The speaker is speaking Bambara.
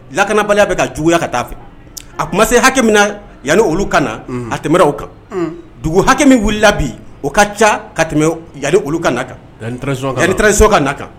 Lakanabaliya bɛ ka juguya ka taa a fɛ a tun ma se hakɛ min na yanni olu kana na a tɛmɛ u kan dugu hakɛ min wulila bi o ka ca ka tɛmɛ ya olu kan kanso ka na kan